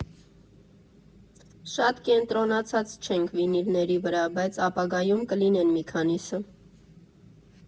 «Շատ կենտրոնացած չենք վինիլների վրա, բայց ապագայում կլինեն մի քանիսը։